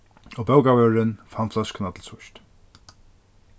og bókavørðurin fann fløskuna til síðst